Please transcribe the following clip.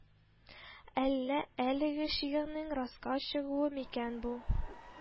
Әллә әлеге шигенең раска чыгуы микән бу